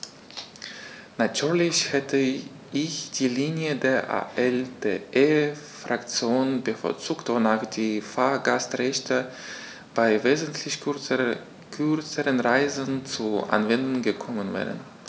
Natürlich hätte ich die Linie der ALDE-Fraktion bevorzugt, wonach die Fahrgastrechte bei wesentlich kürzeren Reisen zur Anwendung gekommen wären.